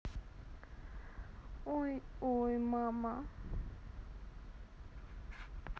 ой ой мама